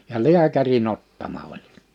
ja lääkärin ottama oli